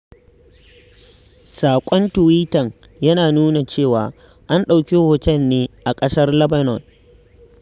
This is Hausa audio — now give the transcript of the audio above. Saƙon tuwitan ya nuna cewa an ɗauki hoton ne a ƙasar Lebanon.